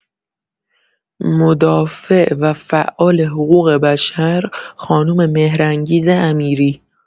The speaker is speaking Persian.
مدافع و فعال حقوق‌بشر، خانم مهرانگیز امیری